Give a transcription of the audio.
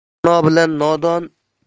dono bilan nodon